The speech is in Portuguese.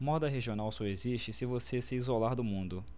moda regional só existe se você se isolar do mundo